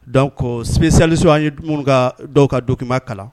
Don kosliso an ye dumuni ka dɔw ka donkiba kalan